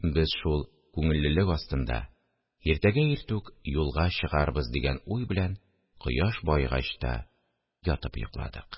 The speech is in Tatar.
Без шул күңеллелек астында «иртәгә иртүк юлга чыгарбыз...» дигән уй белән кояш баегач та ятып йокладык